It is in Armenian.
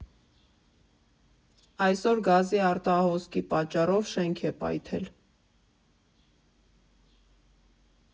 Այսօր գազի արտահոսքի պատճառով շենք է պայթել։